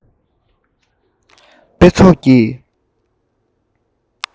དཔེ ཚོགས ཀྱི